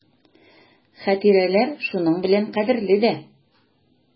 Хатирәләр шуның белән кадерле дә.